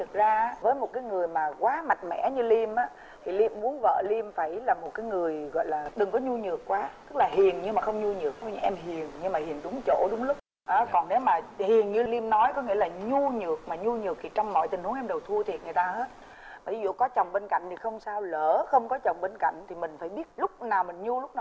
thực ra á với một cái người mà quá mạnh mẽ như liêm á thì liêm muốn vợ liêm phải là một cái người gọi là đừng nhu nhược quá tức là hiền nhưng mà không nhu nhược em hiền như mà hiền đúng chỗ đúng lúc á còn nếu mà hiền như liêm nói có nghĩa là nhu nhược mà nhu nhược trong mọi tình huống em đều thua thiệt người ta hết ví dụ có chồng bên cạnh thì không sao lỡ không có chồng bên cạnh thì mình phải biết lúc nào mình nhu lúc